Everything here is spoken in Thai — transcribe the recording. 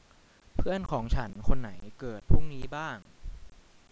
เพื่อนของฉันคนไหนเกิดพรุ่งนี้บ้าง